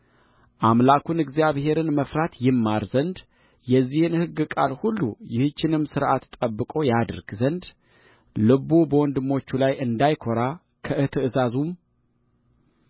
አምላኩን እግዚአብሔርን መፍራት ይማር ዘንድ የዚህን ሕግ ቃል ሁሉ ይህችንም ሥርዓት ጠብቆ ያደርግ ዘንድ ልቡ በወንድሞቹ ላይ እንዳይኰራ ከትእዛዙም